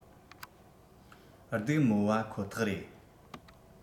སྡུག མོ པ ཁོ ཐག རེད